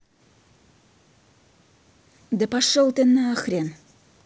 да пошел ты нахрен